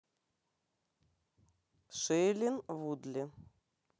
шейлин вудли